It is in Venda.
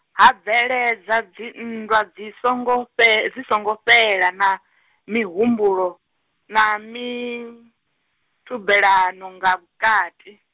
ha bveledza dzinnda dzi songo fhe-, dzi songo fhela na, mi humbulo, na mi, thubelano nga vhukati.